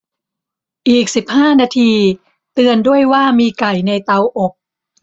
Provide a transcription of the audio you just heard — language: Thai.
อีกสิบหน้านาทีเตือนด้วยว่ามีไก่ในเตาอบ